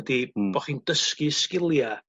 Ydi bo' chi'n dysgu sgilia